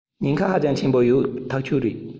ཉེན ཁ ཧ ཅང ཆེན པོ ཡོད ཐག ཆོད རེད